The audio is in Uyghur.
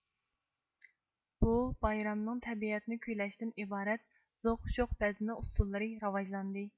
بۇ بايرامنىڭ تەبىئەتنى كۈيلەشتىن ئىبارەت زوخ شوخ بەزمە ئۇسسۇللىرى راۋاجلاندى